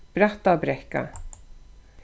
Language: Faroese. brattabrekka